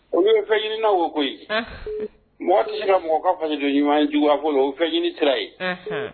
O ye fɛnɲiniina o koyi mɔgɔ tɛ se ka mɔgɔ ka fa don ɲuman ye jugu fɔ o fɛnɲini sira ye